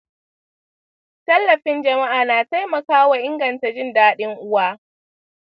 tallafin jama’a na taimakawa inganta jin daɗin uwa.